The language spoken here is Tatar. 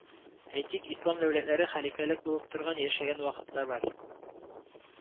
Әйтик, ислам дәүләтләре, халифәлек булып торган, яшәгән вакытлар бар